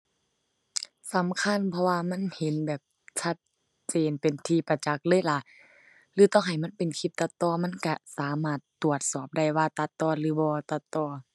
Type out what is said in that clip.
สำคัญ เพราะว่ามันเห็นแบบชัดเจนเป็นที่ประจักษ์เลยล่ะ หรือต่อให้มันเป็นคลิปตัดต่อมันก็สามารถตรวจสอบได้ว่าตัดต่อหรือบ่ตัดต่อ